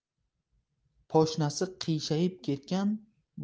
poshnasi qiyshayib ketgan